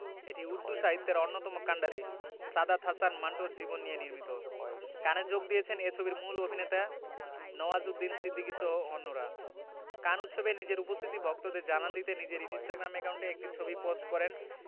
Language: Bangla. এটি উর্দু সাহিত্যের অন্যতম কান্ডারি সাদাত হাসান মান্টোর জীবন নিয়ে নির্মিত কানে যোগ দিয়েছেন এ ছবির মূল অভিনেতা নওয়াজুদ্দিন সিদ্দিকীসহ অন্যরা কান উৎসবে নিজের উপস্থিতি ভক্তদের জানান দিতে নিজের ইনস্টাগ্রাম অ্যাকাউন্টে একটি ছবি পোস্ট করেন